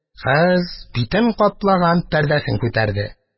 Кыз битен каплаган пәрдәсен күтәрде.